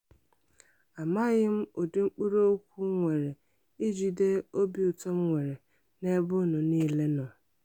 Amaghị m ụdị mkpụrụ okwu nwere ijide obi ụtọ m nwere n'ebe unu niile nọ.